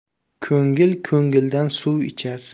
ko'ngil ko'ngildan suv ichar